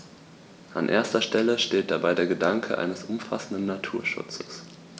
An erster Stelle steht dabei der Gedanke eines umfassenden Naturschutzes.